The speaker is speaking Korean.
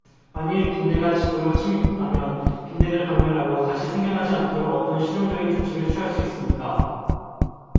만일 빈대가 집으로 침입했다면 빈대를 박멸하고 다시 생겨나지 않도록 어떤 실용적인 조처를 취할 수 있습니까